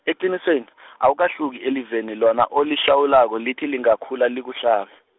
eqinisweni , awukahluki eliveni lona olihlawulako lithi lingakhula likuhlabe.